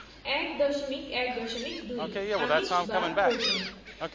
১.১.২ আমিষ বা প্রোটিন